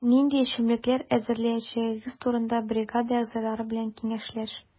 Нинди эчемлекләр әзерләячәгегез турында бригада әгъзалары белән киңәшләш.